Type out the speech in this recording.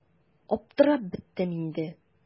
Аптырап беттем инде.